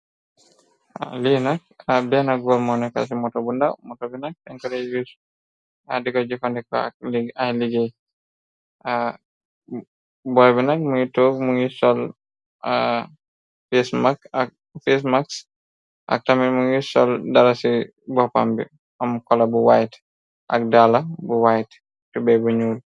Li nak benn góor moo neko ci moto bu nda moto bi nag inkreu adiko jikondeko ay liggéey boy bi nag muy toof mu ngi solfsmax facemax ak tamil mu ngir sol dara ci boppam bi am kola bu white ak daala bu white tube bu ñuul.